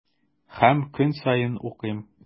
Һәм көн саен укыйм.